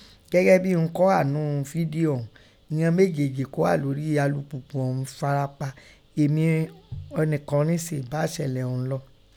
Gẹgẹ bii ihun kọ́ hà ńnú fídíò ọ̀ún, ìghọn mejeji kọ́ hà lórí alùpùpù ọ́ún ùn farapa, èmí ọ̀nikọ́ni sèè ba èṣẹlẹ ọ̀ún lọ.